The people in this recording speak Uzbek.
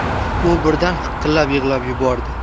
u birdan hiqillab yig'lab yubordi